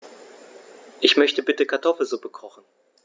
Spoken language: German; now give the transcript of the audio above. Ich möchte bitte Kartoffelsuppe kochen.